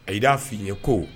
Aye da fin ye ko